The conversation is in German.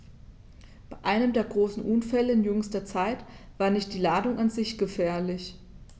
Bei einem der großen Unfälle in jüngster Zeit war nicht die Ladung an sich gefährlich.